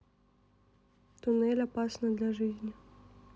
туннель опасно для жизни